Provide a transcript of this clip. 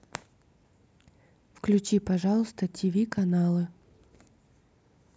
включи пожалуйста ти ви каналы